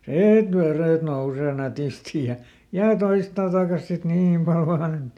siitä vedet nousee nätisti ja ja toista takaisin sitten niin paljon vain että